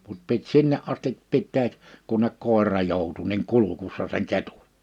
mutta piti sinne asti pitää kunne koira joutui niin kurkussa sen ketun